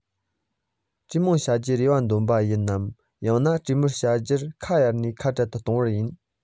གྲོས མོལ བྱ རྒྱུའི རེ བ འདོན པ ཡིན ནམ ཡང ན གྲོས མོལ བྱ རྒྱུར ཁ གཡར ནས ཁ བྲལ དུ གཏོང བ ཡིན